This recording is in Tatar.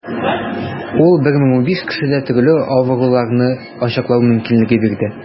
Ул 1015 кешедә төрле авыруларны ачыклау мөмкинлеге бирде.